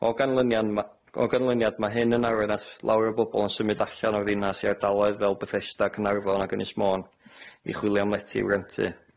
O ganlyniad ma- o ganlyniad ma' hyn yn arwain at lawer o bobol yn symud allan o'r ddinas i ardaloedd fel Bethesda Caernarfon ag Ynys Môn i chwilio am letu i wrentu.